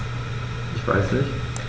Ich weiß nicht.